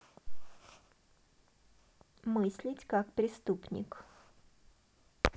мыслить как преступник